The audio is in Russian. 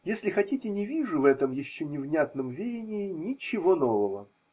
Если хотите, не вижу в этом еще невнятном веянии ничего нового.